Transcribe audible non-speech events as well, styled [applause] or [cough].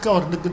[hesitation] [hesitation]